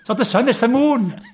It's not the sun, it's the moon!